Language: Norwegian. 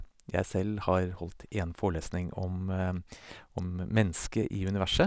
Jeg selv har holdt en forelesning om om mennesket i universet.